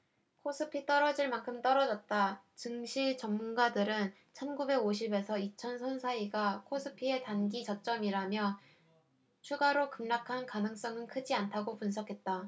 코스피 떨어질 만큼 떨어졌다증시 전문가들은 천 구백 오십 에서 이천 선 사이가 코스피의 단기 저점이라며 추가로 급락할 가능성은 크지 않다고 분석했다